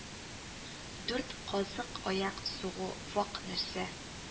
Дүрт казык-аяк сугу вак нәрсә